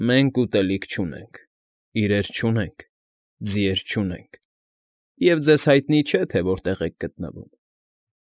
Մենք ուտելիք չունենք, իրեր չունենք, ձիեր չունենք, և ձեզ հայտնի չէ, թե որտեղ ենք գտնվում։